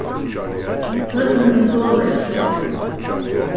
børnini sova ikki